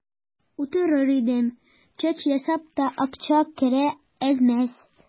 Утырыр идем, чәч ясап та акча керә әз-мәз.